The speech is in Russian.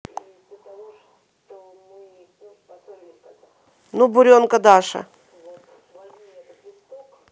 ну буренка даша